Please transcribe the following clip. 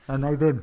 Na wna i ddim.